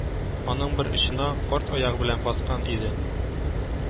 Аның бер очына карт аягы белән баскан иде